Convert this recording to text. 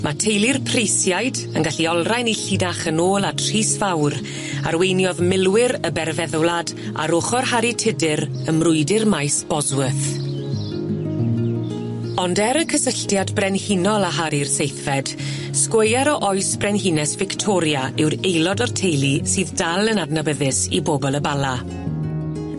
Ma' teulu'r Presiaid yn gallu olrhain 'u llinach yn ôl at Rhys Fawr arweiniodd milwyr y berfeddwlad ar ochor Harri Tudur ym mrwydr maes Bosworth. Ond er y cysylltiad brenhinol â Harri'r Seithfed sgweier o oes brenhines Victoria yw'r aelod o'r teulu sydd dal yn adnabyddus i bobol y Bala.